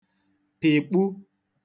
pị̀kpu